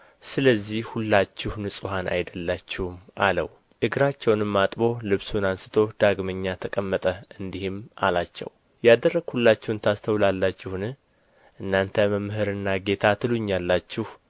ስለዚህ ሁላችሁ ንጹሐን አይደላችሁም አለው እግራቸውንም አጥቦ ልብሱንም አንሥቶ ዳግመኛ ተቀመጠ እንዲህም አላቸው ያደረግሁላችሁን ታስተውላላችሁን እናንተ መምህርና ጌታ ትሉኛላችሁ